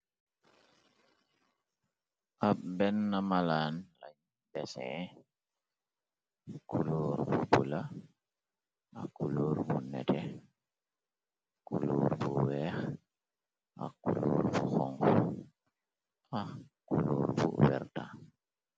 Ap benn malaan lañ desin, kulóor bu bula ak kulóor bu nete. Kulóor bu weex ak kulóor bu xongu ak kulóor bu werta.